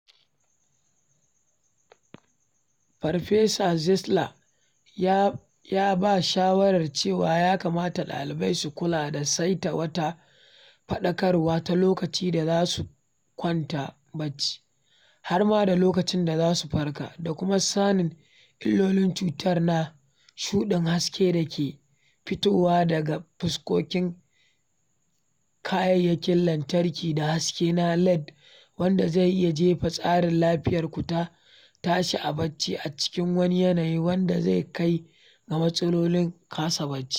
Farfesa Czeisler ya ba shawarar cewa ya kamata ɗalibai su kula da saita wata faɗakarwa ta lokacin da za su kwanta barci, har ma da lokacin da za su farka, da kuma sanin illolin cutarwa na ‘shuɗin haske’ da ke fitowa daga fuskokin kayayyakin lantarki da haske na LED, wanda zai iya jefa tsarin lafiyarku ta tashi a barci a cikin wani yanayi, wanda zai kai ga matsalolin kasa barci.